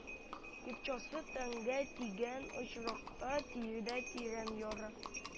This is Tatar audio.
Екчасы тәнгә тигән очракта, тиредә тирән яра